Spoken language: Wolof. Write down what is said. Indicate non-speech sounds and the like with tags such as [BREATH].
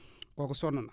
[BREATH] kooku sonn na